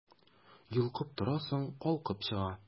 Йолкып торасың, калкып чыга...